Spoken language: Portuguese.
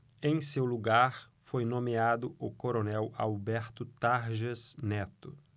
em seu lugar foi nomeado o coronel alberto tarjas neto